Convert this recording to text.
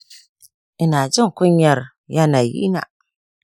ina jin kunyar yanayi na.